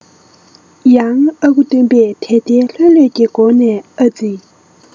ཡང ཨ ཁུ སྟོན པས དལ དལ ལྷོད ལྷོད ཀྱི སྒོ ནས ཨ ཙི